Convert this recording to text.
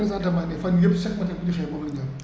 présentement nii fan yii yépp matin bu ñu xëyee moom la ñu am